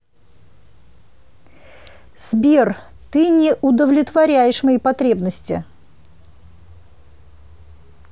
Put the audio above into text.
сбер ты не удовлетворяешь мои потребности